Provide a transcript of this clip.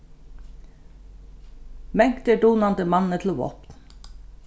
mangt er dunandi manni til vápn